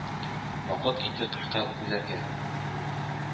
Вакыт инде кышка үләргә,